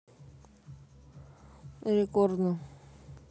рекордно